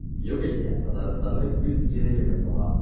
Югыйсә Татарстанның үз иреге кысыла.